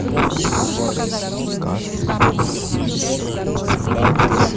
verbee